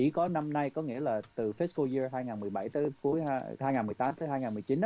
chỉ có năm nay có nghĩa là từ tết dương hai nghìn mười bảy tư cuối hạ hai ngàn mười tám phẩy hai ngàn mười chín